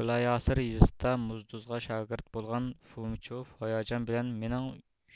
بىلاياسىر يېزىسىدا موزدوزغا شاگىرت بولغان فومىچوف ھاياجان بىلەن مېنىڭ